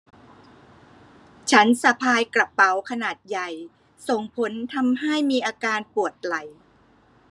ฉันสะพายกระเป๋าขนาดใหญ่ส่งผลทำให้มีอาการปวดไหล่